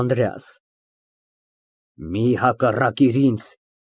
ԱՆԴՐԵԱՍ ֊ Մի հակառակիր ինձ։